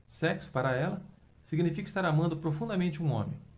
sexo para ela significa estar amando profundamente um homem